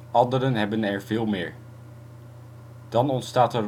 anderen hebben er (veel) meer. Dan ontstaat de